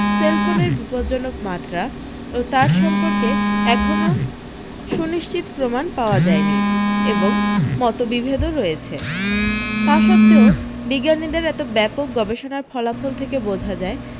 সেলফোনের বিপদজ্জনক মাত্রা ও তার সম্পর্কে এখনও সুনিশ্চিত প্রমাণ পাওয়া যায়নি এবং মতবিভেদও রয়েছে তা সত্ত্বেও বিজ্ঞানীদের এত ব্যাপক গবেষণার ফলাফল থেকে বোঝা যায়